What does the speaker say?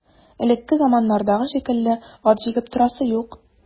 Элекке заманнардагы шикелле ат җигеп торасы юк.